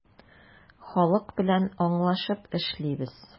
Халык белән аңлашып эшлибез.